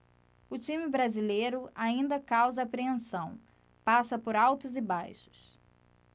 o time brasileiro ainda causa apreensão passa por altos e baixos